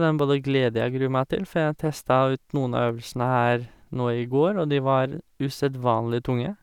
Den både gleder jeg og gruer meg til, for jeg testa ut noen av øvelsene her nå i går, og de var usedvanlig tunge.